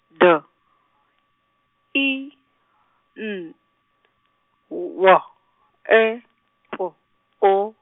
D, I, N, w- W, E, P, O.